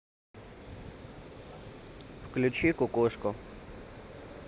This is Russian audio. включи кукушку